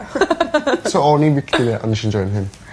So o'n i'n victim ie on' nesh i enjoio'n hun.